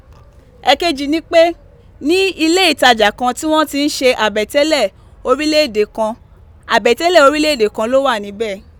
Èkejì ni pé, ní ilé ìtajà kan tí wọ́n ti ń ṣe àbẹ̀tẹ́lẹ̀ orílẹ̀ èdè kan, àbẹ̀tẹ́lẹ̀ orílẹ̀ èdè kan ló wà níbẹ̀.